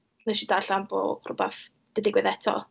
Wnes i darllen bod rwbath 'di digwydd eto.